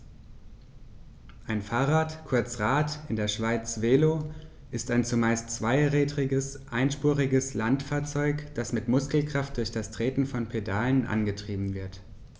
Ein Fahrrad, kurz Rad, in der Schweiz Velo, ist ein zumeist zweirädriges einspuriges Landfahrzeug, das mit Muskelkraft durch das Treten von Pedalen angetrieben wird.